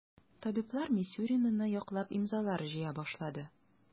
Табиблар Мисюринаны яклап имзалар җыя башлады.